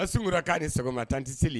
e Suŋura k'a ni sɔgɔma tanti Sili